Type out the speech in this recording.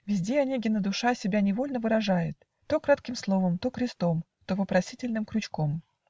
Везде Онегина душа Себя невольно выражает То кратким словом, то крестом, То вопросительным крючком.